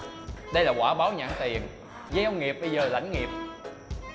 đây là quả báo nhãn tiền gieo nghiệp bây giờ lãnh nghiệp mọi người